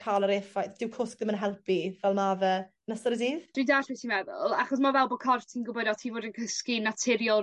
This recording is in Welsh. ca'l yr effaith dyw cwsg ddim yn helpu fel ma' fe yn ystod y dydd. Dwi d'all' be' ti meddwl achos ma' o fel bo' corff ti'n gwbod o ti fod yn cysgu naturiol